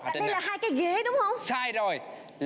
phải tính sai rồi